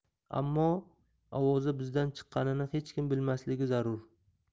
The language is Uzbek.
ammo ovoza bizdan chiqqanini hech kim bilmasligi zarur